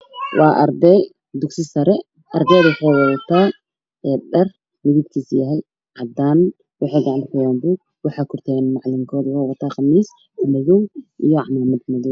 Waa arday dugsi sare waxa ay wadataa xijaab cadaan ah iyo kabo madow ah